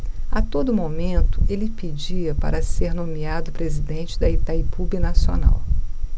a todo momento ele pedia para ser nomeado presidente de itaipu binacional